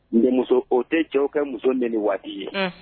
Nin muso o tɛ cɛw ka muso ni ni waati ye